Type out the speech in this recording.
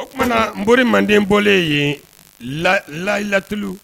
O tumana n moriri manden bɔlen ye layi latlilu